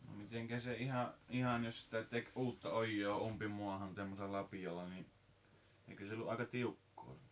no miten se ihan ihan jos sitä teki uutta ojaa umpimaahan semmoisella lapiolla niin eikö se ollut aika tiukkaa